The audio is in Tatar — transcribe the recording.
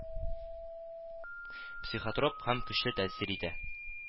Психотроп һәм көчле тәэсир итә